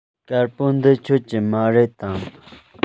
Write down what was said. དཀར པོ འདི ཁྱོད ཀྱི མ རེད དམ